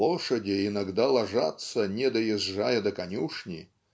"лошади иногда ложатся, не доезжая до конюшни.